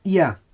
Ia!